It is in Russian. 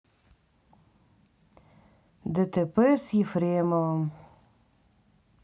дтп с ефремовым